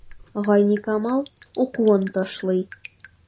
Гайникамал укуын ташлый.